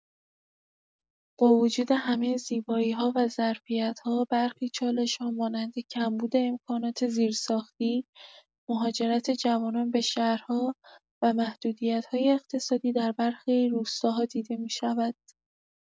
با وجود همه زیبایی‌ها و ظرفیت‌ها، برخی چالش‌ها مانند کمبود امکانات زیرساختی، مهاجرت جوانان به شهرها و محدودیت‌های اقتصادی در برخی روستاها دیده می‌شود.